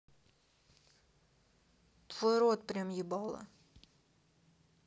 твой рот прям ебало